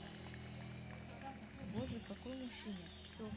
боже какой мужчина